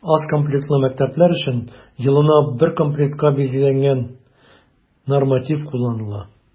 Аз комплектлы мәктәпләр өчен елына бер комплектка билгеләнгән норматив кулланыла.